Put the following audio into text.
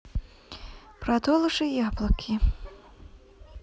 продолжи яблоки